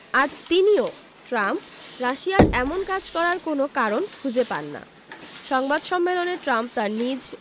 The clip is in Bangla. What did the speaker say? আর তিনিও ট্রাম্প রাশিয়ার এমন কাজ করার কোনো কারণ খুঁজে পান না সংবাদ সম্মেলনে ট্রাম্প তাঁর নিজ